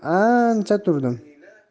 suyanib ancha turdim